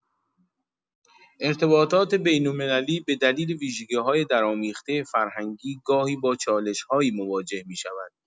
ارتباطات بین‌المللی به دلیل ویژگی‌های درآمیخته فرهنگی گاهی با چالش‌هایی مواجه می‌شود.